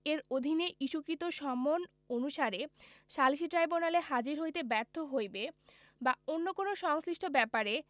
এর অধীনে ইস্যুকৃত সমন অনুসারে সালিসী ট্রাইব্যুনালে হাজির হইতে ব্যর্থ হইবে বা অন্য কোন সংশ্লিষ্ট ব্যাপারে